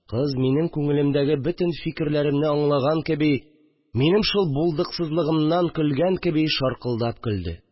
Кыз, минем күңелемдәге бөтен фикерләремне аңлаган кеби, минем шул булдыксызлыгымнан көлгән кеби, шаркылдап көлде